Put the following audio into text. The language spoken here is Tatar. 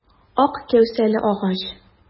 Ак кәүсәле агач.